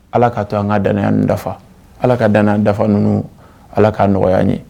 Ala k ka to an ka dan dafa ala ka dan dafa ninnu ala k'a nɔgɔya ye